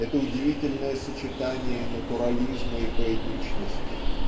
Это удивительное сочетание натурализма и поэтичности